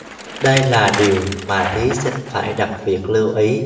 đây là điều mà thí sinh phải đặc biệt lưu ý